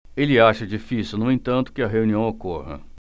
ele acha difícil no entanto que a reunião ocorra